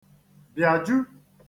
bịàju